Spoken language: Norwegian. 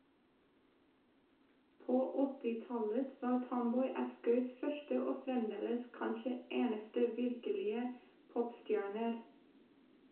På 80-tallet var Tomboy Askøys første og fremdeles kanskje eneste virkelige popstjerner.